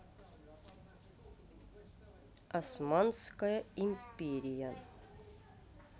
османская империя